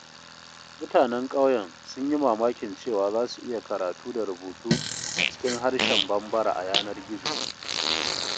Mutanen ƙauyen sun yi mamakin cewa za su iya karatu da rubutu a cikin harshen Bambara a yanar gizo!